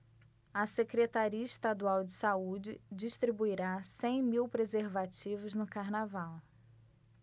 a secretaria estadual de saúde distribuirá cem mil preservativos no carnaval